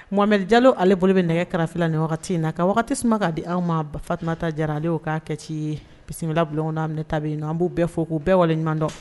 Ŋmjalo ale bolo bɛ nɛgɛ kara nin wagati in na ka waati tasuma k kaa di anw ma fatumata jara ale k'a kɛ ci bisimila bulonda tabi yen na an b'u bɛɛ fɔ k'u bɛɛ waleɲumandɔn